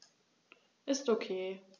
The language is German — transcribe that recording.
Ist OK.